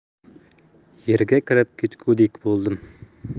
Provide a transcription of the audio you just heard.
yerga kirib ketgudek bo'ldim